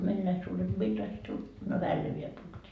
meillä näin suuret